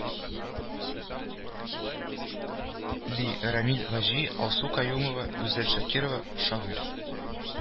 Ли, рамил вәҗи, алсу каюмова, гүзәл шакирова, шагыйрь